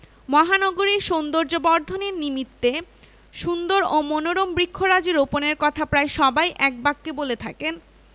মহানগরীর সৌন্দর্যবর্ধনের নিমিত্ত সুন্দর ও মনোরম বৃক্ষরাজি রোপণের কথা প্রায় সবাই একবাক্যে বলে থাকেন